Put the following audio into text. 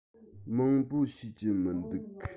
མང པོ ཤེས ཀྱི མི འདུག